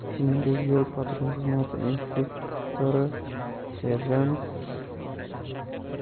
shuningdek yo patrul xizmati inspektori serjant